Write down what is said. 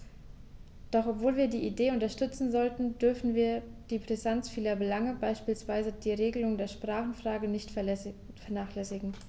Doch obwohl wir die Idee unterstützen sollten, dürfen wir die Brisanz vieler Belange, beispielsweise die Regelung der Sprachenfrage, nicht vernachlässigen.